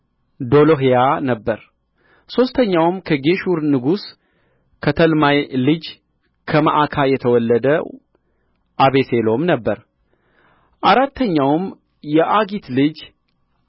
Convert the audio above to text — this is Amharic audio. ዶሎሕያ ነበረ ሦስተኛውም ከጌሹር ንጉሥ ከተልማይ ልጅ ከመዓካ የተወለደው አቤሴሎም ነበረ አራተኛውም የአጊት ልጅ